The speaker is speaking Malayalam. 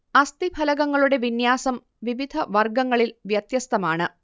അസ്ഥിഫലകങ്ങളുടെ വിന്യാസം വിവിധ വർഗങ്ങളിൽ വ്യത്യസ്തമാണ്